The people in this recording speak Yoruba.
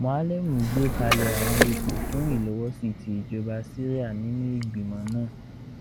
Moualem gbekalẹ awọn ipo fun ilọwọsi ti ijọba Siria nínú igbimọ naa,